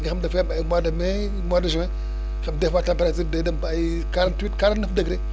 nga xam dafay am ay mois de mai mois de juin xam des fois température bi day dem ba ay quarante huit quarante neuf degré